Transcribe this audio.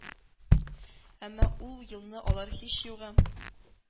Әмма ул елны алар һичюгы